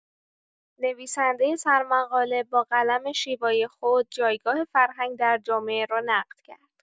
نویسنده سرمقاله با قلم شیوای خود جایگاه فرهنگ در جامعه را نقد کرد.